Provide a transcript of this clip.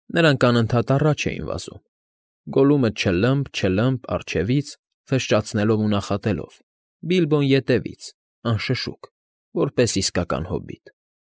Նրանք անընդհատ առաջ էին վազում. Գոլլումը՝ ճլըմփ, ճլըմփ, առջևից, ֆշշացնելով ու նախատելով, Բիլբոն ետևից, անշշուկ, որպես իսկական հոբիտ։